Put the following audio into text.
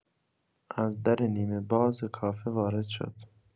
از در نیمه‌باز کافه وارد شد.